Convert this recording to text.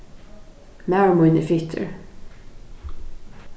maður mín er fittur